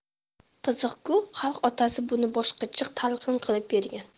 qiziqku xalq otasi buni boshqacha talqin qilib bergan